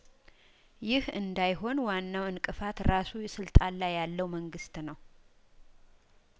ይህ እንዳይሆን ዋናው እንቅፋት ራሱ የስልጣን ላይ ያለው መንግስት ነው